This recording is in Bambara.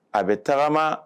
A bɛ tagama